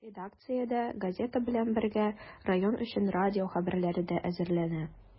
Редакциядә, газета белән бергә, район өчен радио хәбәрләре дә әзерләнә.